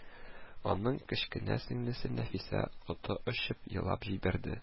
Аның кечкенә сеңлесе Нәфисә коты очып елап җибәрде